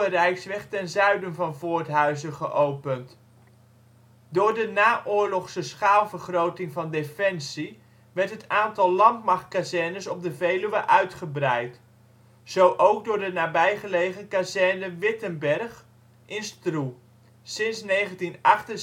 rijksweg ten zuiden van Voorthuizen geopend. Door de naoorlogse schaalvergroting van Defensie werd het aantal landmachtkazernes op de Veluwe uitgebreid. Zo ook door de nabijgelegen kazerne Wittenberg in Stroe, sinds 1978 de